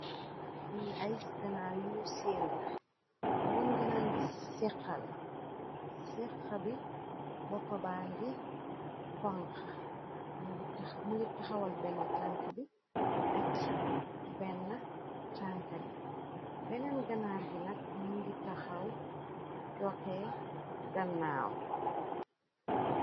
Li ays ganaar yiñu seen la yeneen ganaal gi sikxa la sikka bi boppa baa ngi xanka mungi taxawal benn tanka bi ac benn tanka bi benneen ganaar gi nag mu ngi taxaw joxee gannaaw.